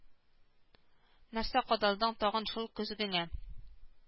Нәрсә кадалдың тагын шул көзгеңә